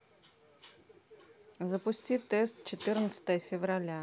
запусти тест четырнадцатое февраля